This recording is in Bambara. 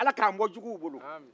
ala k'an bɔ jugu bolo